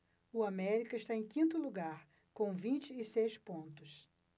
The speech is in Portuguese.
o américa está em quinto lugar com vinte e seis pontos